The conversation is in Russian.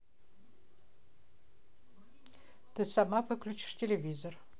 ты сама выключишь телевизор